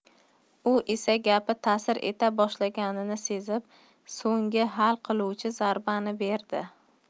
u esa gapi ta'sir eta boshlaganini sezib so'nggi hal qiluvchi zarbani berdi